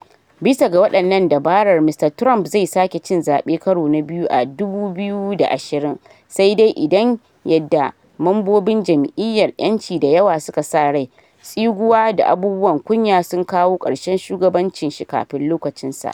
Bisa ga wannan dabarar, Mr. Trump zai sake cin zabe karo na biu a 2020 sai dai idan, yadda mambobin jam’iyyar ‘yanci da yawa suke sa rai, tsiguwa da abubuwan kunya sun kawo karshen shugabancin shi kafin lokacin sa.